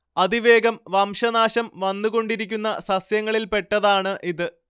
അതിവേഗം വംശനാശം വന്നുകൊണ്ടിരിക്കുന്ന സസ്യങ്ങളിൽ പെട്ടതാണു് ഇതു്